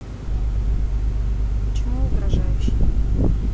почему угрожающий